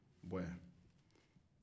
bo yan